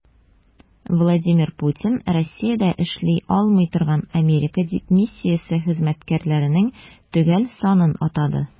Владимир Путин Россиядә эшли алмый торган Америка дипмиссиясе хезмәткәрләренең төгәл санын атады.